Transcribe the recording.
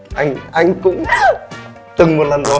anh anh cũng từng một lần rồi